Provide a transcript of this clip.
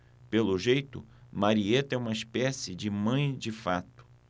pelo jeito marieta é uma espécie de mãe de fato